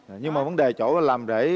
nhưng mà vấn đề chỗ làm rể